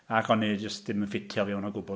Ac o'n i jyst ddim yn ffitio fewn o gwbl.